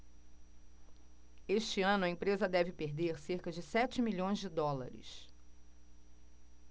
este ano a empresa deve perder cerca de sete milhões de dólares